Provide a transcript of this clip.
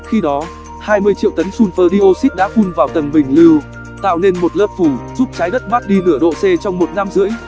khi đó triệu tấn sulfur dioxide đã phun vào tầng bình lưu tạo nên một lớp phủ giúp trái đất mát đi nửa độ c trong năm rưỡi